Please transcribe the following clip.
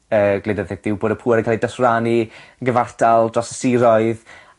yy gwleidyddieth yw bod y pŵer yn cael ei dosrannu yn gyfartal dros y siroedd